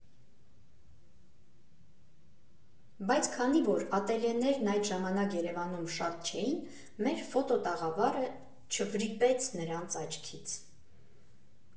֊ Բայց քանի որ ատելյեներն այդ ժամանակ Երևանում շատ չէին, մեր ֆոտոտաղավարը չվրիպեց նրանց աչքից։